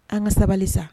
An ka sabali sa